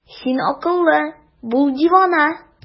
Син акыллы, бул дивана!